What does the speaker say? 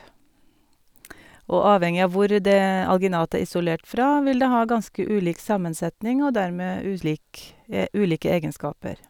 Og avhengig av hvor det alginatet er isolert fra, vil det ha ganske ulik sammensetning, og dermed ulik ulike egenskaper.